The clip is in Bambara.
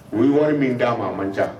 U ye wari min d'a ma manc